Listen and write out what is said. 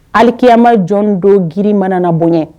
Alikiyama jɔn don grin mana na bonya